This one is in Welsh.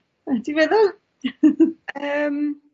Yym